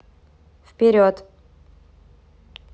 вперед